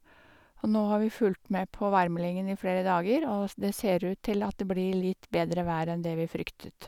Og nå har vi fulgt med på værmeldingen i flere dager, og s det ser ut til at det blir litt bedre vær enn det vi fryktet.